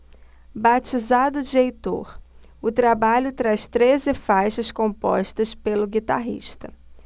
batizado de heitor o trabalho traz treze faixas compostas pelo guitarrista